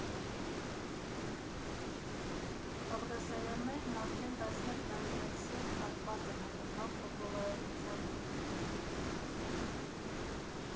Բաղդասարյաններն արդեն տասնյակ տարիներ սերտ կապված են հայկական ֆոտոլրագրության հետ։